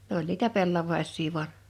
ne oli niitä pellavaisia vain